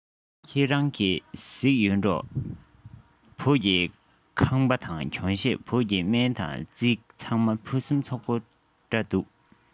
ཁྱེད རང གིས གཟིགས ཡོད འགྲོ བོད ཀྱི ཁང པ དང གྱོན ཆས བོད ཀྱི སྨན དང རྩིས ཚང མ ཕུན སུམ ཚོགས པོ འདྲས མི འདུག གས